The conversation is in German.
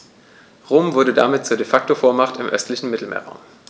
Rom wurde damit zur ‚De-Facto-Vormacht‘ im östlichen Mittelmeerraum.